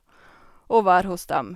Og være hos dem.